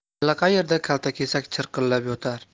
allaqayerda kaltakesak chirqillab qolar